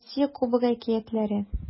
Россия Кубогы әкиятләре